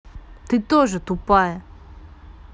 ты тоже тупая